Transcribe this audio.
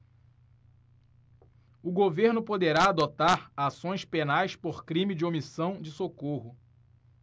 o governo poderá adotar ações penais por crime de omissão de socorro